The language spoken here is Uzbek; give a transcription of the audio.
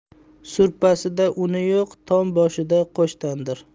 suprasida uni yo'q tom boshida qo'sh tandir